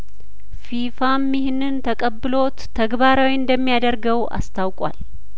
ፊፋም ይህንን ተቀብሎት ተግባራዊ እንደሚያደርገው አስታውቋል